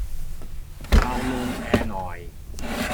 เบาลมแอร์หน่อย